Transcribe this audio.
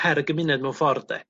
her y gymuned mewn ffor 'de?